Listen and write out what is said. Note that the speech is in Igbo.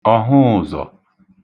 ọ̀hụụ̀zọ̀